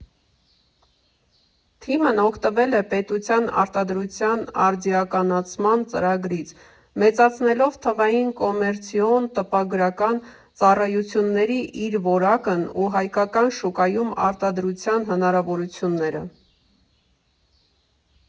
Թիմն օգտվել է պետության՝ արտադրության արդիականացման ծրագրից՝ մեծացնելով թվային կոմերցիոն տպագրական ծառայությունների իր որակն ու հայկական շուկայում արտադրության հնարավորությունները։